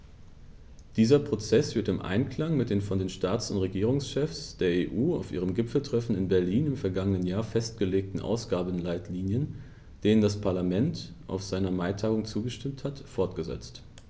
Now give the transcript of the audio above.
Dieser Prozess wird im Einklang mit den von den Staats- und Regierungschefs der EU auf ihrem Gipfeltreffen in Berlin im vergangenen Jahr festgelegten Ausgabenleitlinien, denen das Parlament auf seiner Maitagung zugestimmt hat, fortgesetzt.